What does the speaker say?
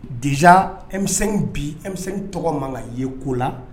Dez emisɛn tɔgɔ ma ka ye ko la